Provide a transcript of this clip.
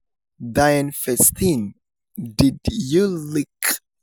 Dianne Feinstein, did you leak?